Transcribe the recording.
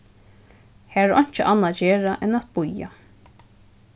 har er einki annað at gera enn at bíða